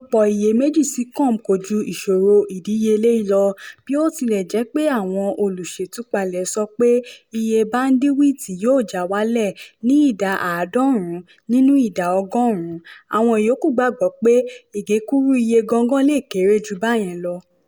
Ọ̀pọ̀lọpọ̀ iyèméjì Seacom kò ju ìṣòro nípa ìdíyelé lọ: bí ó tilẹ̀ jẹ́ pé àwọn olùṣètúpalẹ̀ sọ pé iye báńdíwìtì yóò já wálẹ̀ ní ìdá 90 nínú ìdá ọgọ́rùn-ún, àwọn ìyókù gbàgbọ́ pé ìgékúrú iye gangan le kéré jù bá yẹn lọ.